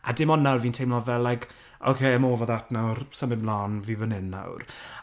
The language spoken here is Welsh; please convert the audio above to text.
A dim ond nawr, fi'n teimlo fel, like, ok I'm over that nawr, symud 'mlan, fi fan 'yn nawr.